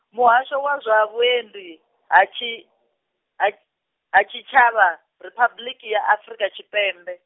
Muhasho wa zwa Vhuendi, hatshi-, ha- ha tshitshavha, Riphabuḽiki ya Afurika Tshipembe.